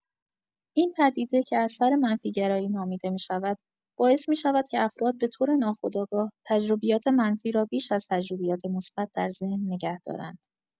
این پدیده که اثر منفی‌گرایی نامیده می‌شود، باعث می‌شود که افراد به‌طور ناخودآگاه، تجربیات منفی را بیش از تجربیات مثبت در ذهن نگه دارند.